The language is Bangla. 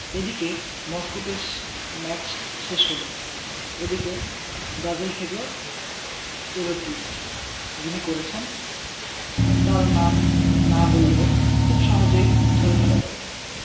এদিকে মস্কোতে ম্যাচ শেষ হলো ওদিকে ব্রাজিল থেকে এল টুইট যিনি করেছেন তাঁর নাম না বললেও খুব সহজেই ধরে ফেলা যাবে